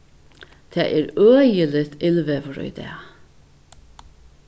tað er øgiligt illveður í dag